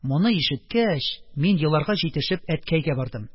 Моны ишеткәч, мин, еларга җитешеп, әткәйгә бардым.